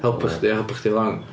Helpu chdi a helpu chdi lan.